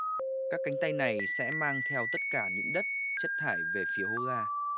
các cánh tay này sẽ mang theo tất cả những đất chất thải về phía hố ga